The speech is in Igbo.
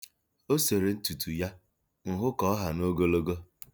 O sere ntutu ya, m hụ ka ọ ha n'ogologo.